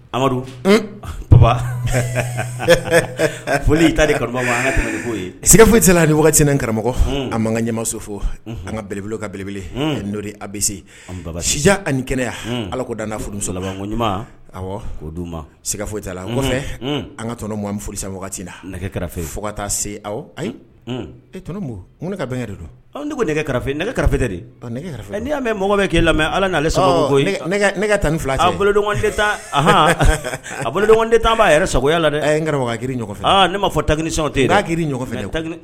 Amadu baba foyi tɛ ni wagati ni karamɔgɔmɔgɔ a ma ka ɲɛma fo an kaelef kaelebele n'o baba ni kɛnɛ ala ko dan furula di foyi kɔfɛ an ka tɔnɔ an furu san wagati la nɛgɛ karafe fo ka taa se aw ayi e t ka bɛnkɛ de don nɛgɛ karafe nɛgɛ karafe nɛgɛ kara n'i' mɛn mɔgɔ bɛ ke lamɛn ala' tan ni fila boloh a bolo tɛ tan' a yɛrɛ sagoya la a ye n kɛra fɛ ne maa fɔ ta ni s tɛ'irifɛ